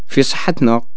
في صحتنا